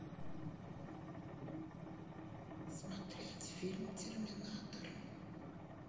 смотреть фильм терминатор